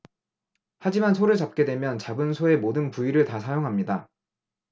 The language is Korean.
하지만 소를 잡게 되면 잡은 소의 모든 부위를 다 사용합니다